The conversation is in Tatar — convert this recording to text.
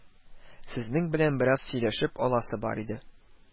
Сезнең белән бераз сөйләшеп аласы бар иде